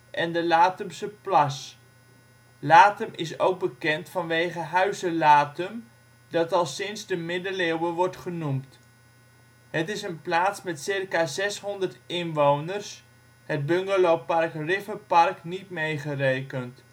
en de Lathumse plas. Lathum is ook bekend vanwege huize Lathum dat al sinds de middeleeuwen wordt genoemd. Het is een plaats met ca. 600 inwoners, het bungalowpark Riverparc niet meegerekend